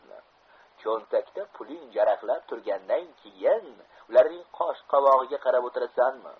cho'ntakda puling jaraqlab turgandan keyin ularning qosh qovog'iga qarab o'tirasanmi